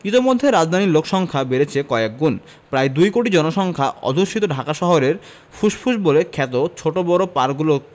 ইতোমধ্যে রাজধানীর লোকসংখ্যা বেড়েছে কয়েকগুণ প্রায় দুকোটি জনসংখ্যা অধ্যুষিত ঢাকা শহরের ফুসফুস বলে খ্যাত ছোট বড় পার্কগুলো